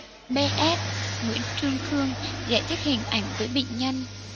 bs nguyễn trương khương giải thích hình ảnh với bệnh nhân